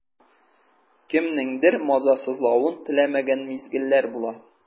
Кемнеңдер мазасызлавын теләмәгән мизгелләр була.